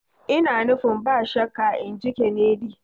Ina nufin, ba shakka, inji Kennedy.